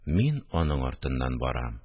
Мин аның артыннан барам